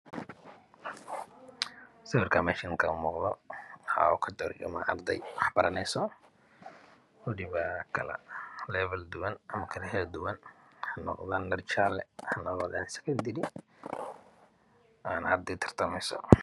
Sawarkan idin muuqdo waxow katurjima arday wax baraneyso waxena watan dhar jale